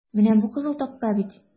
Менә бу кызыл такта бит?